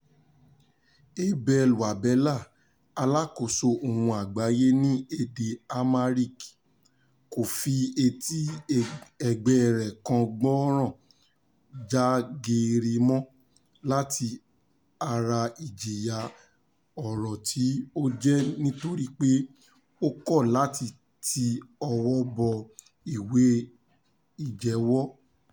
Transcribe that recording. Abel Wabella, alákòóso Ohùn Àgbáyé ní Èdè Amharic , kò fi etí ẹ̀gbẹ́ẹ rẹ̀ kan gbọ́ràn já geere mọ́n láti ara ìjìyà oró tí ó jẹ́ nítorí pé ó kọ̀ láti ti ọwọ́ bọ ìwé ìjẹ́wọ́.